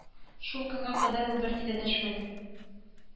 Шул көнгә кадәр ул берни дә дәшмәде